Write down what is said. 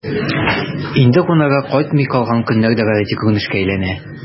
Инде кунарга кайтмый калган көннәр дә гадәти күренешкә әйләнә...